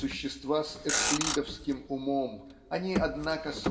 существа с эвклидовским умом они однако